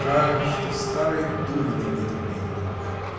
Жаль, что старой дури набито в ней много!.